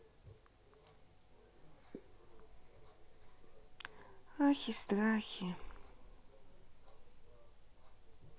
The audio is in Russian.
ахи страхи